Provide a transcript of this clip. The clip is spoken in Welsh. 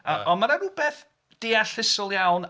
Ond mae 'na rhywbeth deallusol iawn...